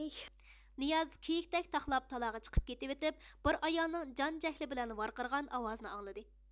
نىياز كىيىكتەك تاقلاپ تالاغا چىقىپ كېتىۋېتىپ بىر ئايالنىڭ جان جەھلى بىلەن ۋارقىرىغان ئاۋازىنى ئاڭلىدى